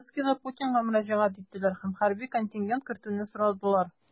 Донецкида Путинга мөрәҗәгать иттеләр һәм хәрби контингент кертүне сорадылар.